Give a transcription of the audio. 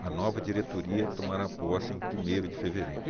a nova diretoria tomará posse em primeiro de fevereiro